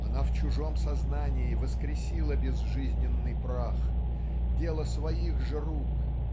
она в чужом сознании воскресила безжизненный прах дело своих же рук